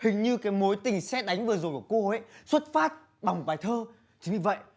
hình như cái mối tình sét đánh vừa rồi của cô ý xuất phát bằng bài thơ chính vì vậy